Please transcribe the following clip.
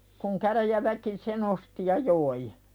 kun käräjäväki sen osti ja joi